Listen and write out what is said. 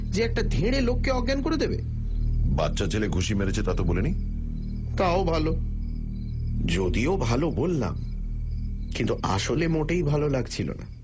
যে একটা ধেড়ে লোককে অজ্ঞান করে দেবে বাচ্চা ছেলে ঘুষি মেরেছে তা তো বলিনি তাও ভাল যদিও ভাল বললাম কিন্তু আসলে মোটেই ভাল লাগছিল না